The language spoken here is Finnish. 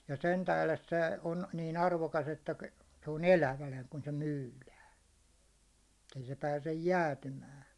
ja sen tähden se on niin arvokas että se on elävänä kun se myydään että ei se pääse jäätymään